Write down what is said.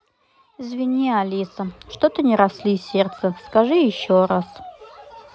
извини алиса что то не росли сердце скажи еще раз